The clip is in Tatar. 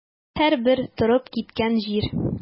Һәрбер торып киткән җир.